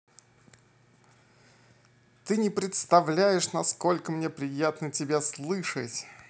ты не представляешь насколько мне приятно тебя слышать